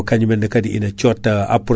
woni ndemateri walo